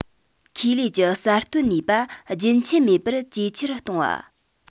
ཁེ ལས ཀྱི གསར གཏོད ནུས པ རྒྱུན ཆད མེད པར ཇེ ཆེར གཏོང བ